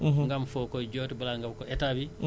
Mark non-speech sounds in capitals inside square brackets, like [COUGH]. mais bu Yàlla defe aussi [HESITATION] tawul